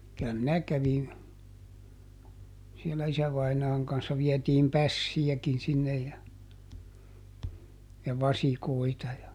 kyllä minä kävin siellä isävainaan kanssa vietiin pässejäkin sinne ja ja vasikoita ja